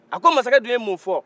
a ko masakɛ dun ye mun fɔ